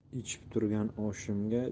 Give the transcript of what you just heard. ichib turgan oshimga